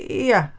Ia.